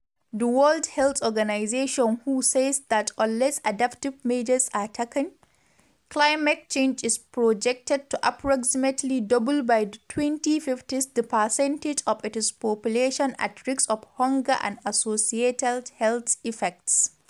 The World Health Organization (WHO) says that unless adaptive measures are taken, climate change is projected to approximately double by the 2050s the percentage of its population at risk of hunger and associated health effects.